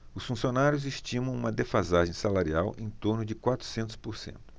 os funcionários estimam uma defasagem salarial em torno de quatrocentos por cento